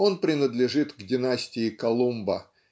Он принадлежит к династии Колумба